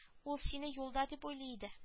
Ул сине юлда дип уйлый иде